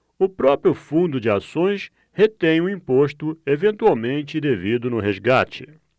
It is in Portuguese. o próprio fundo de ações retém o imposto eventualmente devido no resgate